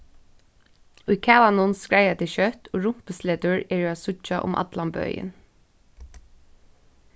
í kavanum skreiða tey skjótt og rumpusletur eru at síggja um allan bøin